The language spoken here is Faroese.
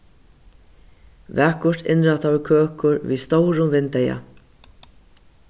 vakurt innrættaður køkur við stórum vindeyga